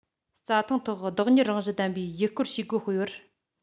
རྩྭ ཐང ཐོག བདག གཉེར རང བཞིན ལྡན པའི ཡུལ སྐོར བྱེད སྒོ སྤེལ བར